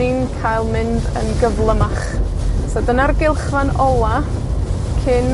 ni'n cael mynd yn gyflymach. So dyna'r gylchan ola cyn